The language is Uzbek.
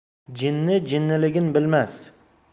jinni jinnihgin bilmas